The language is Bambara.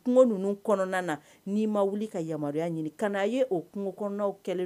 Kungo ninnu kɔnɔna na n'i ma wili ka yamaruya ɲini ,ka na ye o kungo kɔnɔnaw kɛlen